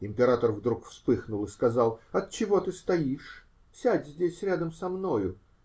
Император вдруг вспыхнул и сказал: -- Отчего ты стоишь? Сядь здесь, рядом со мною.